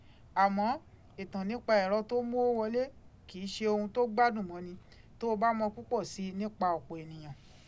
Àmọ́, ìtàn nípa ẹ̀rọ tó ń mówó wọlé kì í ṣe ohun tó gbádùn mọ́ni tó o bá mọ púpọ̀ sí i nípa ọ̀pọ̀ èèyàn.